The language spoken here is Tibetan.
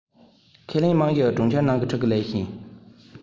ཁས ལེན རྨང གཞིའི གྲོང ཁྱེར ནང གི ཕྲུ གུ ལས ཞན